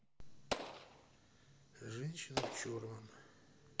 женщина в черном